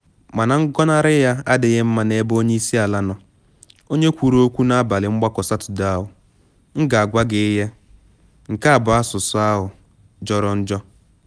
Mana ngọnarị ya adịghị mma n’ebe onye isi ala nọ, onye kwuru okwu na n’abalị mgbakọ Satọde ahụ: “M ga-agwa gị ihe, nke a bụ asụsụ ahụ jọrọ oke njọ.